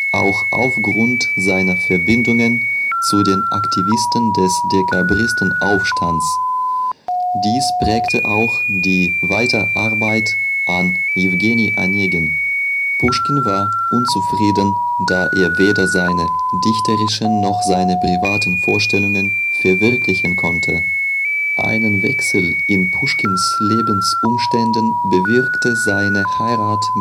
auch aufgrund seiner Verbindungen zu den Aktivisten des Dekabristenaufstands). Dies prägte auch die Weiterarbeit an Eugen Onegin. Puschkin war unzufrieden, da er weder seine dichterischen noch seine privaten Vorstellungen verwirklichen konnte. Einen Wechsel in Puschkins Lebensumständen bewirkte seine Heirat